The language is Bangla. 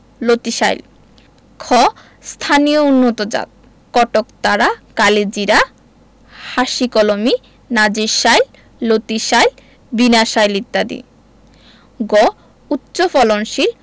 লতিশাইল খ স্থানীয় উন্নতজাতঃ কটকতারা কালিজিরা হাসিকলমি নাজির শাইল লতিশাইল বিনাশাইল ইত্যাদি গ উচ্চফলনশীল